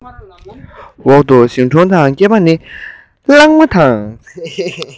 འོག ཏུ ཞིང གྲོང དང སྐེད པ ནི གླང མ དང